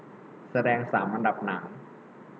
แสดงสามอันดับหนัง